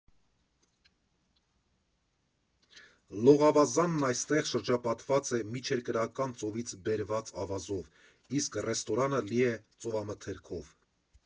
Լողավազանն այստեղ շրջապատված է Միջերկրական ծովից բերված ավազով, իսկ ռեստորանը լի է ծովամթերքով։